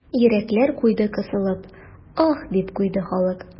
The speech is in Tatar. Йөрәкләр куйды кысылып, аһ, дип куйды халык.